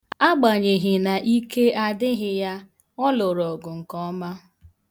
Agbanyeghi na ike adịghị ya, ọ lụrụ ọgụ nke ọma.